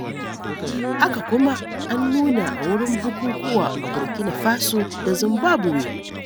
Haka kuma, an nuna a wurin bukukuwa a Burkina Faso da Zimbabwe.